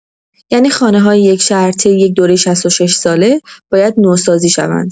یعنی خانه‌های یک شهر طی یک دورۀ ۶۶ساله باید نوسازی شوند.